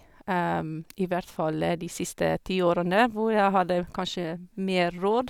I hvert fall de siste ti årene, hvor jeg hadde kanskje mer råd.